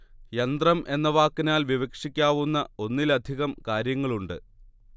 യന്ത്രം എന്ന വാക്കിനാൽ വിവക്ഷിക്കാവുന്ന ഒന്നിലധികം കാര്യങ്ങളുണ്ട്